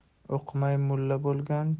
o'qimay mulla bo'lgan